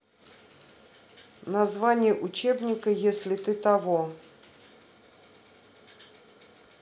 название учебника если ты того